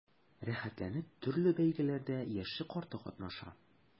Рәхәтләнеп төрле бәйгеләрдә яше-карты катнаша.